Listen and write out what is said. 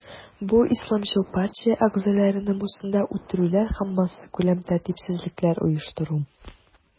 Бу исламчыл партия әгъзалары намусында үтерүләр һәм массакүләм тәртипсезлекләр оештыру.